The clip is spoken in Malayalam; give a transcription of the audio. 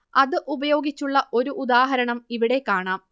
അത് ഉപയോഗിച്ചുള്ള ഒരു ഉദാഹരണം ഇവിടെ കാണാം